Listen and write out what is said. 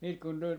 sitten kun tuli